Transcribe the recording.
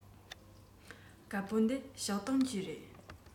དཀར པོ འདི ཞའོ ཏོན གྱི རེད